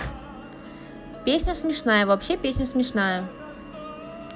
песня смешная вообще песня смешная